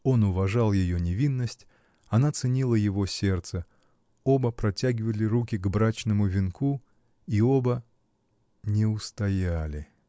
Он уважал ее невинность, она ценила его сердце — оба протягивали руки к брачному венцу — и оба. не устояли.